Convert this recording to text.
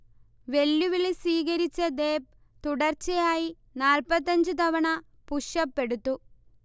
വെല്ലുവിളി സ്വീകരിച്ച ദേബ് തുടർച്ചയായി നാല്പത്തഞ്ചു തവണ പുഷ്അപ് എടുത്തു